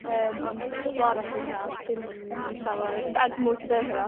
ymm ond fel arall i hynna dim llawer er dwi'm yn licio deu' hynna